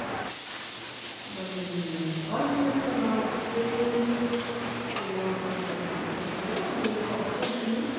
Og da blir det mye pai og salater og godt brød og gode kaker, ikke minst.